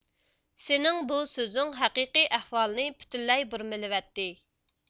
سېنىڭ بۇ سۆزۈڭ ھەقىقىي ئەھۋالىنى پۈتۈنلەي بۇرمىلىۋەتتى